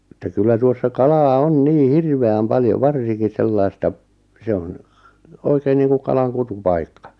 että kyllä tuossa kalaa on niin hirveän paljon varsinkin sellaista se on oikein niin kuin kalan kutupaikka